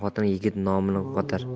yomon xotin yigit nomin yo'qotar